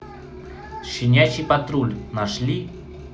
щенячий патруль нашли